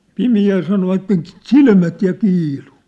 pimeällä sanoivat silmät ja kiilui